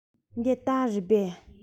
འདི སྟག རེད པས